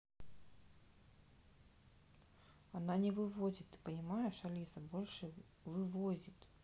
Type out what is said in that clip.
она не вывозит ты понимаешь алиса больше вывозит